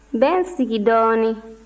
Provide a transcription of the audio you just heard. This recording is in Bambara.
n bɛ n sigi dɔɔnin